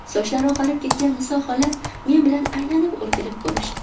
sochlari oqarib ketgan niso xola men bilan aylanib o'rgilib ko'rishdi